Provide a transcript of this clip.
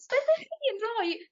Byddech chi yn roi